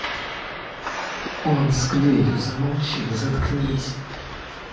он склею замолчи заткнись